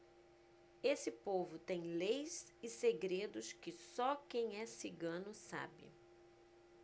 esse povo tem leis e segredos que só quem é cigano sabe